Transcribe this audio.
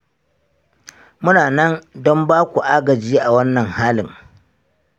muna nan don baku agaji a wannan halin.